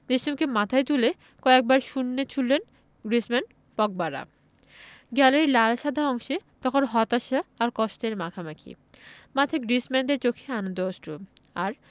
দেশমকে মাথায় তুলে কয়েকবার শূন্যে ছুড়লেন গ্রিজমান পগবারা গ্যালারির লাল সাদা অংশে তখন হতাশা আর কষ্টের মাখামাখি মাঠে গ্রিজমানদের চোখে আনন্দ অশ্রু আর